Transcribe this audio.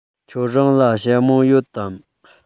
ཁྱོད རང ལ ཞྭ མོ ཡོད དམ